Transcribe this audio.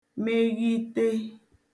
meghite